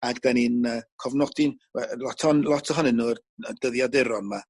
Ag 'dan ni'n yy cofnodi'n we- lot on' lot ohonyn nw'r y dyddiaduron 'ma